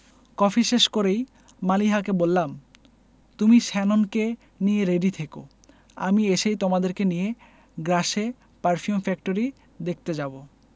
coffee শেষ করেই মালিহাকে বললাম তুমি শ্যাননকে নিয়ে রেডি থেকো আমি এসেই তোমাদের নিয়ে গ্রাসে পারফিউম ফ্যাক্টরি দেখতে যাবো